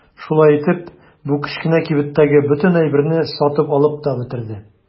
Шулай итеп бу кечкенә кибеттәге бөтен әйберне сатып алып та бетерде.